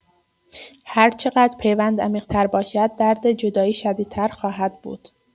هرچقدر پیوند عمیق‌تر باشد، درد جدایی شدیدتر خواهد بود.